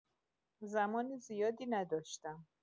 زمان زیادی نداشتم.